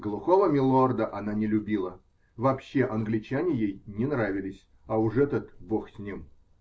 Глухого "милорда" она не любила: вообще, англичане ей не нравились, а уж этот -- бог с ним.